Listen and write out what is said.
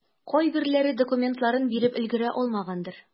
Кайберләре документларын биреп өлгерә алмагандыр.